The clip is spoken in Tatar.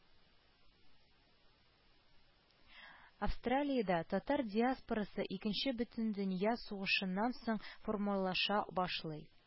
Австралиядә татар диаспорасы Икенче бөтендөнья сугышыннан соң формалаша башлый